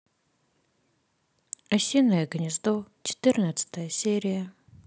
осиное гнездо четырнадцатая серия